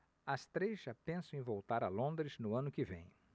as três já pensam em voltar a londres no ano que vem